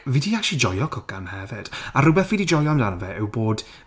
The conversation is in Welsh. Fi di actually joio cwcan hefyd a rhywbeth fi 'di joio amdano fe yw bod...